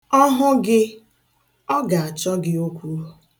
Ọ hụ gị, ọ ga-achọ gị okwu.